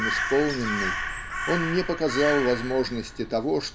чем исполненной) он не показал возможности того